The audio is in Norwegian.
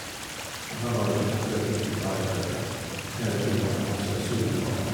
Og her var det jo kjempefint vær hele tida, med masse sol og...